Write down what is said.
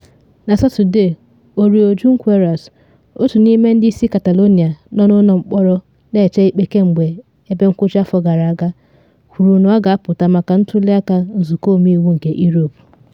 Na Satọde, Oriol Junqueras, otu n’ime ndị isi Catalonia nọ n’ụlọ mkpọrọ na eche ikpe kemgbe ebe ngwụcha afọ gara aga, kwuru na ọ ga-apụta maka ntuli aka Nzụkọ Omeiwu nke Europe.